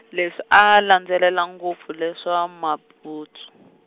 leswi a landzelela ngopfu leswa maputsu.